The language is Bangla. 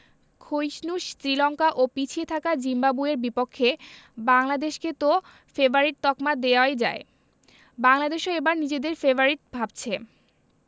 ক্ষয়িষ্ণু শ্রীলঙ্কা ও পিছিয়ে থাকা জিম্বাবুয়ের বিপক্ষে বাংলাদেশকে তো ফেবারিট তকমা দেওয়াই যায় বাংলাদেশও এবার নিজেদের ফেবারিট ভাবছে